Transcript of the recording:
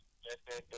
waaw